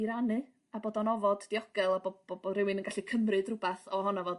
i rannu a bod yn ofod diogel a bo' bo' bo' rywun yn gallu cymryd rwbath ohono fo